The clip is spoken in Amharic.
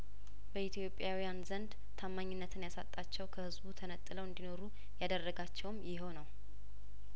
በኢትዮጵያውያን ዘንድ ታማኝነትን ያሳጣቸው ከህዝቡ ተነጥለው እንዲኖሩ ያደረጋቸውም ይኸው ነው